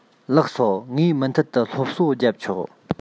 ལགས སོ ངས མུ མཐུད དུ སློབ གསོ རྒྱབ ཆོག